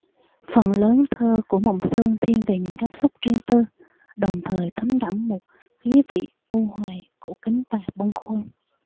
phần lớn thơ của mộng sơn thiên về những cảm xúc riêng tư đồng thời thấm đẫm một khí vị u hoài cổ kính và bâng khuâng